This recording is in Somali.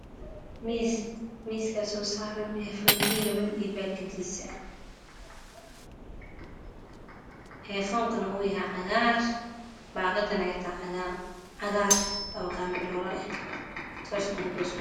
Miis oo saran ayfoon iikaban baakadan waa cagaar